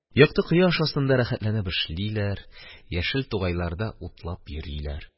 Якты кояш астында рәхәтләнеп эшлиләр, яшел тугайларда утлап йөриләр.